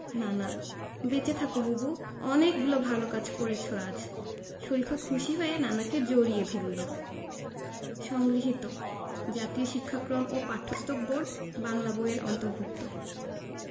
নানা বেঁচে থাকো বুবু অনেকগুলো ভালো কাজ করেছ আজ শরিফা খুশি হয়ে নানাকে জড়িয়ে ধরল সংগৃহীত জাতীয় শিক্ষাক্রম ও পাঠ্যপুস্তক বোর্ড বাংলা বই এর অন্তর্ভুক্ত